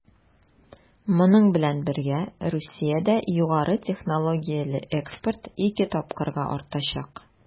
Моның белән бергә Русиядә югары технологияле экспорт 2 тапкырга артачак.